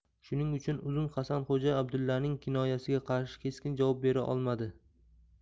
shuning uchun uzun hasan xo'ja abdullaning kinoyasiga qarshi keskin javob bera olmadi